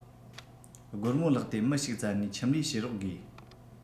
སྒོར མོ བརླག ཏེ མི ཞིག བཙལ ནས ཁྱིམ ལས བྱེད རོགས དགོས